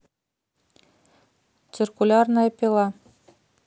циркулярная пила